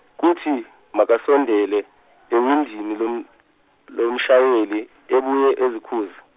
kuthi makasondele, ewindini lom- lomshayeli, abuye azikhuze.